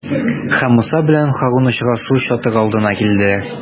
Һәм Муса белән Һарун очрашу чатыры алдына килделәр.